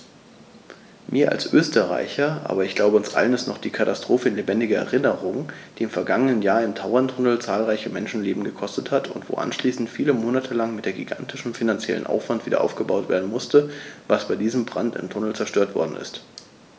Mir als Österreicher, aber ich glaube, uns allen ist noch die Katastrophe in lebendiger Erinnerung, die im vergangenen Jahr im Tauerntunnel zahlreiche Menschenleben gekostet hat und wo anschließend viele Monate lang mit gigantischem finanziellem Aufwand wiederaufgebaut werden musste, was bei diesem Brand im Tunnel zerstört worden ist.